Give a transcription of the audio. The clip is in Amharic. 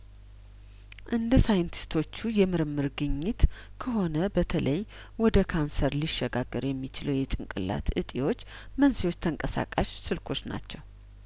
እንደ ሳይንቲስቶቹ የምርምር ግኝት ከሆነ በተለይ ወደ ካንሰር ሊሸጋገር የሚችለው የጭንቅላት እጢዎች መንስኤዎች ተንቀሳቃሽ ስልኮች ናቸው